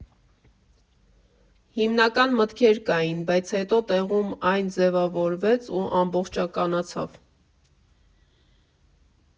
Հիմնական մտքեր կային, բայց հետո տեղում այն ձևավորվեց ու ամբողջականացավ։